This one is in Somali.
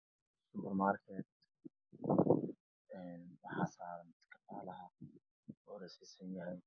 Halkan waa supermarket waxaa saaran iska faalaha booreskiisu yahay